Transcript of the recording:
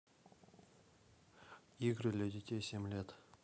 игры для детей семь лет